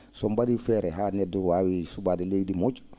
so on mba?ii feere haa ne??o oo waawii su?aade leydi mo??o